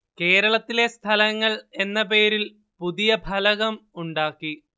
കേരളത്തിലെ സ്ഥലങ്ങള്‍ എന്ന പേരില്‍ പുതിയ ഫലകം ഉണ്ടാക്കി